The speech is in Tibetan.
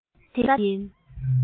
འཛུགས ས དེ ཡིན